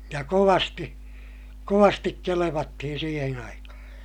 ja kovasti kovasti kelvattiin siihen aikaan